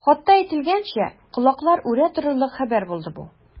Хатта әйтелгәнчә, колаклар үрә торырлык хәбәр булды бу.